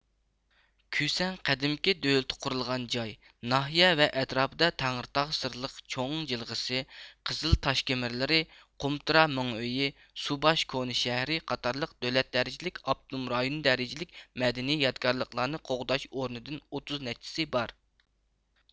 كۈسەن قەدىمكى دۆلىتى قۇرۇلغان جاي ناھىيە ۋە ئەتراپىدا تەڭرىتاغ سىرلىق چوڭ جىلغىسى قىزىل تاشكېمىرلىرى قۇمتۇرا مېڭئۆيى سۇباش كونا شەھىرى قاتارلىق دۆلەت دەرىجىلىك ئاپتونوم رايون دەرىجىلىك مەدەنىي يادىكارلىقلارنى قوغداش ئورنىدىن ئوتتۇز نەچچىسى بار